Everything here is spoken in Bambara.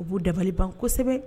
U b'u dabali ban kosɛbɛ